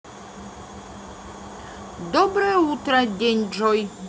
доброе утро день джой